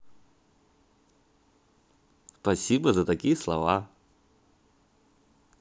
спасибо за такие слова